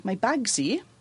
Mae Bagsi